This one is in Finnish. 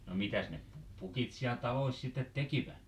no mitäs ne pukit siellä taloissa sitten tekivät